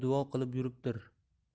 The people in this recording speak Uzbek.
duo qilib yuribdir